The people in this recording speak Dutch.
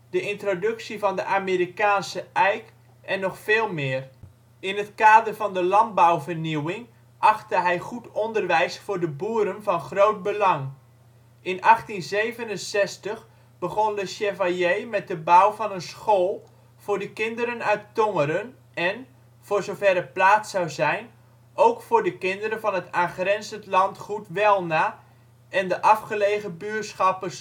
de introductie van de Amerikaanse eik en nog veel meer. In het kader van de landbouwvernieuwing achtte hij goed onderwijs voor de boeren van groot belang. In 1867 begon Le Chevalier met de bouw van een school voor de kinderen uit Tongeren, en, voor zover er plaats zou zijn, ook voor de kinderen van het aangrenzend landgoed Welna en de afgelegen buurschappen